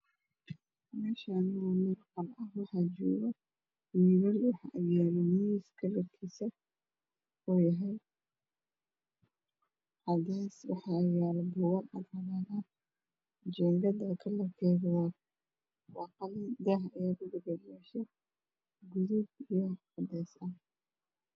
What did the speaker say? Meechani waa wurba waxa joogo wiil iyo miis kalarkiisu uuyahay cadays waxa adjoogo jiingad